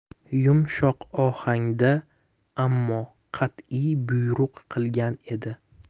yumshoq ohangda ammo qat'iy bo'yruk qilgan edi